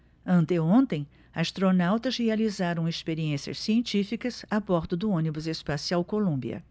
anteontem astronautas realizaram experiências científicas a bordo do ônibus espacial columbia